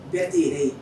Bɛɛ kuyate yɛrɛ ye